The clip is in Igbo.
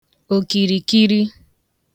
òkìrìkiri